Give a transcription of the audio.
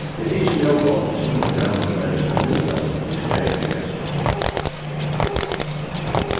tað er ikki nóg gott at summir næmingar velja sær myndabøkur í staðin fyri tekstbøkur